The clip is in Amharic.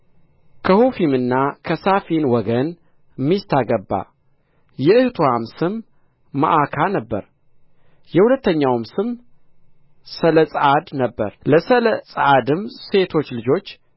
ከሑፊምና ከሳፊን ወገን ሚስት አገባ የእኅትዋም ስም መዓካ ነበረ የሁለተኛውም ስም ሰለጰአድ ነበረ ለሰለጰዓድም ሴቶች ልጆች